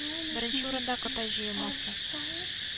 — мин ышанам сиңа, әлфия.